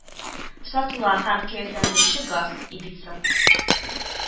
Сатыла һәм кәефләндерүче газ, ибица